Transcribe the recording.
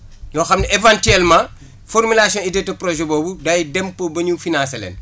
yoo xam ne éventuellemnt formulation idée de projet boobu day dem pour ba ñu financer lee